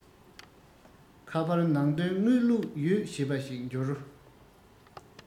ཁ པར ནང དོན དངུལ བླུག ཡོད ཞེས པ ཞིག འབྱོར